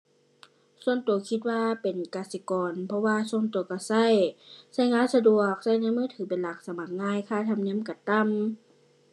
ส่วนตัวคิดว่าเป็นกสิกร เพราะว่าส่วนตัวตัวตัว ตัวงานสะดวก ตัวในมือถือเป็นหลัก สมัครง่าย ค่าธรรมเนียมตัวต่ำ